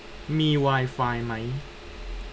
มีไวไฟไหม